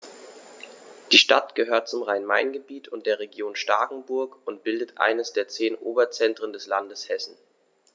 Die Stadt gehört zum Rhein-Main-Gebiet und der Region Starkenburg und bildet eines der zehn Oberzentren des Landes Hessen.